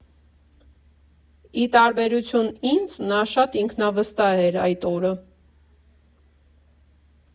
Ի տարբերություն ինձ՝ նա շատ ինքնավստահ էր այդ օրը։